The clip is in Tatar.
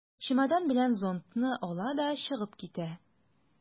Чемодан белән зонтны ала да чыгып китә.